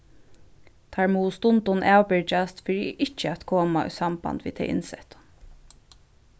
teir mugu stundum avbyrgjast fyri ikki at koma í samband við tey innsettu